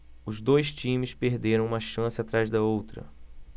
os dois times perderam uma chance atrás da outra